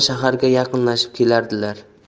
shaharga yaqinlashib kelardilar